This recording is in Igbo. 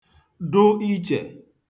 dụ ichè